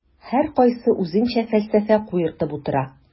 Һәркайсы үзенчә фәлсәфә куертып утыра.